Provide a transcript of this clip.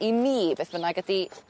i mi beth bynnag ydi